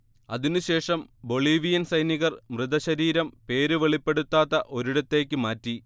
അതിനുശേഷം ബൊളീവിയൻ സൈനികർ മൃതശരീരം പേര് വെളിപ്പെടുത്താത്ത ഒരിടത്തേക്ക് മാറ്റി